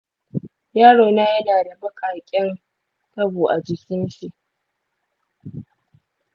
yaro na yana da baƙaƙen taɓo a jikinshi.